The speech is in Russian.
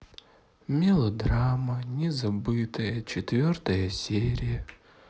мелодрама незабытая четвертая серия